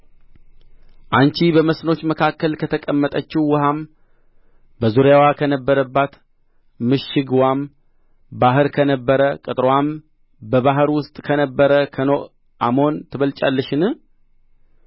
አንቺ በመስኖች መካከል ከተቀመጠችው ውኃም በዙሪያዋ ከነበራት ምሽግዋም ባሕር ከነበረ ቅጥርዋም በባሕር ውስጥ ከነበረ ከኖእ አሞን ትበልጫለሽን